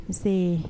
Nse